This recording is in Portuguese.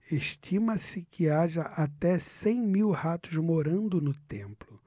estima-se que haja até cem mil ratos morando no templo